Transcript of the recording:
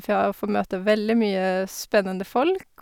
For jeg får møte veldig mye spennende folk.